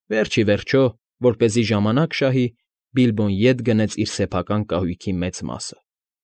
Վերջ ի վերջո, որպեսզի ժամանակ շահի, Բիլբոն ետ գնեց իր սեփական կահույքի մեծ մասը։